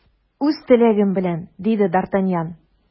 Үз теләгем белән! - диде д’Артаньян.